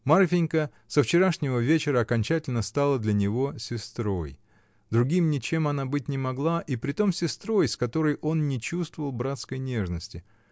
Марфинька со вчерашнего вечера окончательно стала для него сестрой: другим ничем она быть не могла, и притом сестрой, к которой он не чувствовал братской нежности.